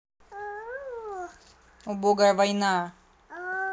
убогая война